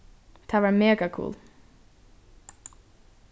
tað var mega kul